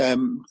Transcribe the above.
yym